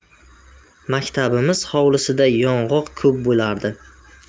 maktabimiz hovlisida yong'oq ko'p bo'lardi